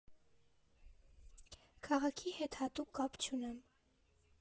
Քաղաքի հետ հատուկ կապ չունեմ։